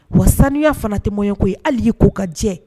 Wa sanuya fana tɛ mɲɛ koyi ye hali ye k' ka jɛ